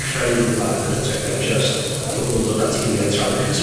creu rwbath yn ytrach na jyst pobol yn dod at 'i gily a trafodd sy'n